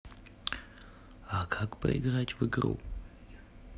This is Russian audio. а как поиграть в игру